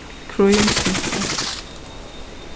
krím smittar